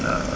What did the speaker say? waaw